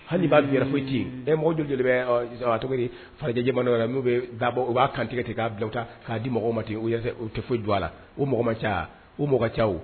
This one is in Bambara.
Hali b'a yɛrɛ foyi ci ɛ mɔgɔ lajɛlen cogo fajɛja yɛrɛ n'u bɛ dabɔ u b'a kantigɛ tigɛ k'a bila ta k'a di mɔgɔ ma tɛ foyi jɔ la o mɔgɔ ca u mɔgɔ ca